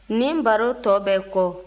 nin baro tɔ bɛ kɔ